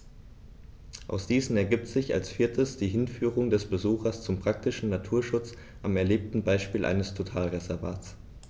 Aus diesen ergibt sich als viertes die Hinführung des Besuchers zum praktischen Naturschutz am erlebten Beispiel eines Totalreservats.